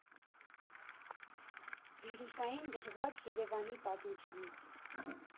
Վիրուսային դրվագ Երևանի պատմությունից։